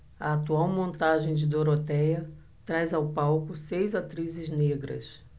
a atual montagem de dorotéia traz ao palco seis atrizes negras